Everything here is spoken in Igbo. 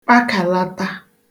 kpakàlata